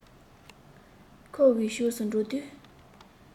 ཁོ འི ཕྱོགས སུ འགྲོ དུས